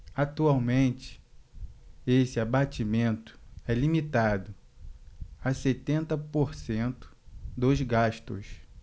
atualmente esse abatimento é limitado a setenta por cento dos gastos